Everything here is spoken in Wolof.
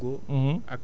maanaam dugub